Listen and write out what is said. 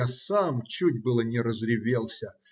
Я сам чуть было не разревелся.